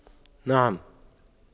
نعم